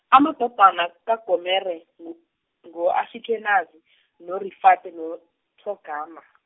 amadodana kaGomere ngo ngo Ashikenaze noRifate noThogarma.